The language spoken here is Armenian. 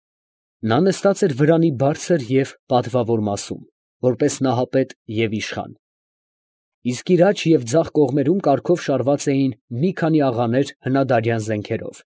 Նա նստած էր վրանի բարձր և պատվավոր մասում, որպես նահապետ և իշխան, իսկ իր աջ և ձախ կողմերում կարգով շարված էին մի քանի աղաներ հնադարյան զենքերով։